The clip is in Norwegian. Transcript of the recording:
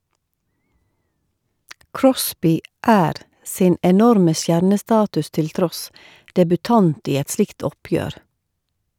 Crosby er - sin enorme stjernestatus til tross - debutant i et slikt oppgjør.